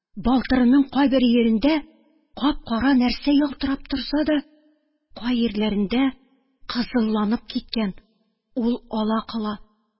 Балтырының кайбер йирендә капкара нәрсә ялтырап торса да, кай йирләрендә кызылланып киткән, ул ала-кола.